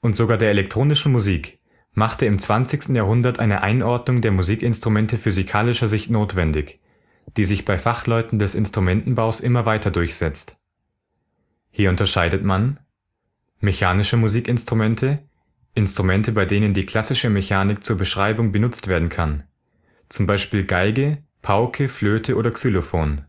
und sogar der elektronischen Musik machte im 20. Jahrhundert eine Einordnung der Musikinstrumente physikalischer Sicht notwendig, die sich bei Fachleuten des Instrumentenbaus immer weiter durchsetzt. Hier unterscheidet man: Mechanische Musikinstrumente, Instrumente bei denen die klassische Mechanik zur Beschreibung benutzt werden kann. (z. B. Geige, Pauke, Flöte, Xylophon